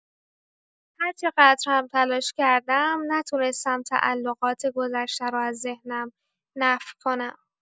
هرقدر هم تلاش کردم، نتونستم تعلقات گذشته رو از ذهنم نفی کنم.